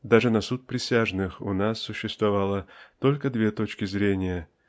Даже на суд присяжных у нас существовало только две точки зрения